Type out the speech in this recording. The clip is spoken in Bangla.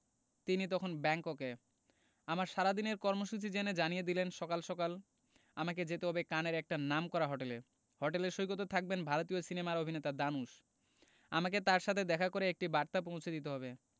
তিনি তখন ব্যাংককে আমার সারাদিনের কর্মসূচি জেনে জানিয়ে দিলেন সকাল সকাল আমাকে যেতে হবে কানের একটা নামকরা হোটেলে হোটেলের সৈকতে থাকবেন ভারতীয় সিনেমার অভিনেতা ধানুশ আমাকে তার সাথে দেখা করে একটি বার্তা পৌঁছে দিতে হবে